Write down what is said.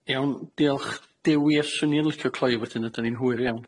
Iawn, diolch. Dewi. A swn i'n yn licio cloi wedyn, a 'dan ni'n hwyr iawn.